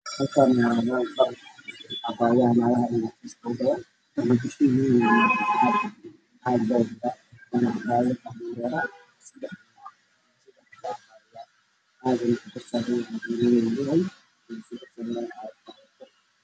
Halkan waa meel cabaayadaha naagaha lagu gado